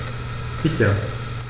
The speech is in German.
Sicher.